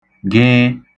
ġịị